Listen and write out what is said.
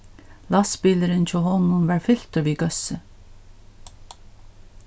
lastbilurin hjá honum var fyltur við góðsi